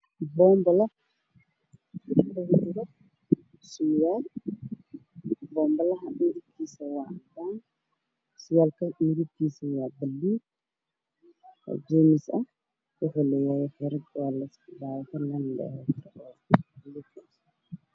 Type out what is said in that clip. Waa boombalo midabkiisii hahay-cadaan waxaa suran surwaal buluug ah darbiga waa caddaan